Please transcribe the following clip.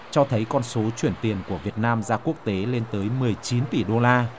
cho thấy con số chuyển tiền của việt nam ra quốc tế lên tới mười chín tỷ đô la